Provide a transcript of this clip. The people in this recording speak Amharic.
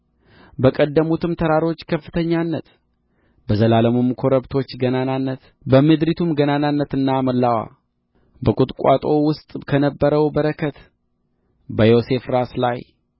በቀደሙትም ተራሮች ከፍተኛነት በዘላለሙም ኮረብቶች ገናንነት በምድሪቱም ገናንነትና ሞላዋ በቍጥቋጦው ውስጥ ከነበረው በረከት በዮሴፍ ራስ ላይ